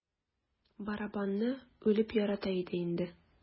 Барабанны үлеп ярата иде инде.